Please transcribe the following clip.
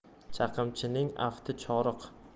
chaqimchining afti choriq